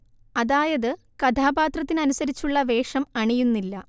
അതായത് കഥാപാത്രത്തിനു അനുസരിച്ചുള്ള വേഷം അണിയുന്നില്ല